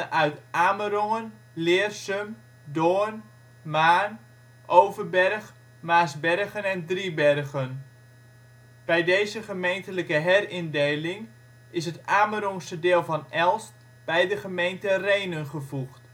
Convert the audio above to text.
uit Amerongen, Leersum, Doorn, Maarn, Overberg, Maarsbergen en Driebergen. Bij deze gemeentelijke herindeling is het Amerongse deel van Elst bij de gemeente Rhenen gevoegd